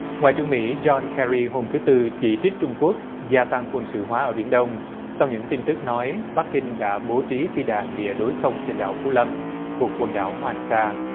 ngoại trưởng mỹ giôn ke ry hôm thứ tư chỉ trích trung quốc gia tăng quân sự hóa ở biển đông sau những tin tức nói bắc kinh đã bố trí phi đạn địa đối không trên đảo phú lâm thuộc quần đảo hoàng sa